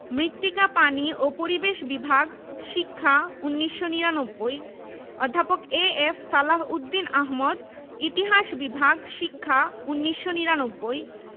মৃত্তিকা পানি ও পরিবেশ বিভাগ শিক্ষা ১৯৯৯ অধ্যাপক এ.এফ সালাহ উদ্দিন আহমদ ইতিহাস বিভাগ শিক্ষা ১৯৯৯